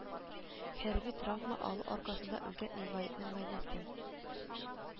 Хәрби травма алу аркасында үлгән инвалидның гаиләсе